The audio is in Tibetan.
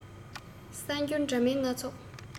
གསར འགྱུར འདྲ མིན སྣ ཚོགས